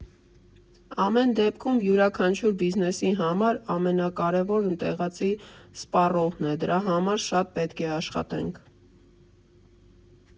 «Ամեն դեպքում, յուրաքանչյուր բիզնեսի համար ամենակարևորը տեղացի սպառողն է, դրա համար շատ պետք է աշխատենք։